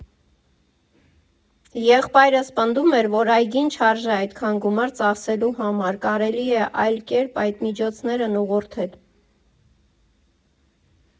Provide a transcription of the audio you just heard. Եղբայրս պնդում էր, որ այգին չարժե այդքան գումար ծախսելու համար, կարելի էր այլ կերպ այդ միջոցներն ուղղորդել։